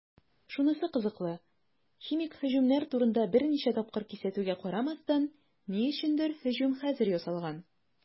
Шунысы кызыклы, химик һөҗүмнәр турында берничә тапкыр кисәтүгә карамастан, ни өчендер һөҗүм хәзер ясалган.